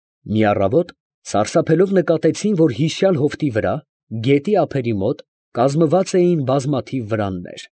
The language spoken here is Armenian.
Մի առավոտ սարսափելով նկատեցին, որ հիշյալ հովտի վրա, գետի ափերի մոտ, կազմված էին բազմաթիվ վրաններ։